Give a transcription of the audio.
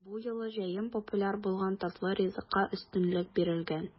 Бу юлы җәен популяр булган татлы ризыкка өстенлек бирелгән.